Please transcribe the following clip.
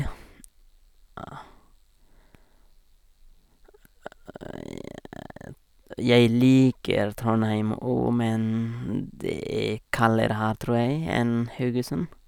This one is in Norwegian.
je Jeg liker Trondheim òg, men det er kaldere her, tror jeg, enn Haugesund.